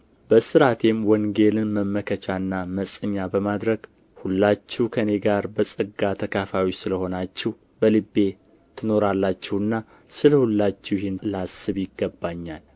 በእስራቴም ወንጌልንም መመከቻና መጽኛ በማድረግ ሁላችሁ ከእኔ ጋር በጸጋ ተካፋዮች ስለ ሆናችሁ በልቤ ትኖራላችሁና ስለ ሁላችሁ ይህን ላስብ ይገባኛል